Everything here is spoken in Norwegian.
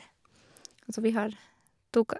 Og så vi har to ka...